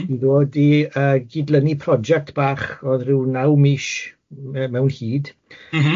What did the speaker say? ...i ddod i yy gydlynu project bach odd ryw naw mish mewn hyd... M-hm.